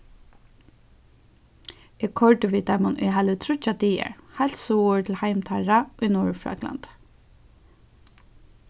eg koyrdi við teimum í heili tríggjar dagar heilt suður til heim teirra í norðurfraklandi